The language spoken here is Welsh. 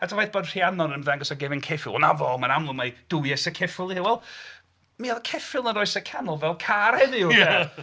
A t'bod y ffaith bod Rhiannon yn ymddangos ar gefn ceffyl, "wel 'na fo ma'n amlwg mai Duwies y ceffyl". Wel mi oedd ceffyl yn yr Oesau Canol fel car heddiw Ia!